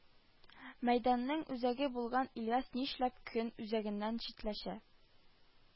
Мәйданның үзәге булган ильяс нишләп көн үзәгеннән читләшә